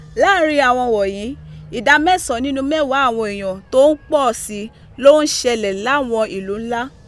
Láàárín àwọn wọ̀nyí, ìdá mẹ́sàn án nínú mẹ́wàá àwọn èèyàn tó ń pọ̀ sí i ló ń ṣẹlẹ̀ láwọn ìlú ńlá.